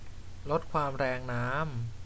ลดความแรงน้ำ